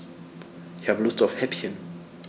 Ich habe Lust auf Häppchen.